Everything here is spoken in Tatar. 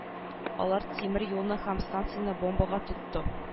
Алар тимер юлны һәм станцияне бомбага тотты